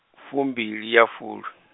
fumbili ya fulwi.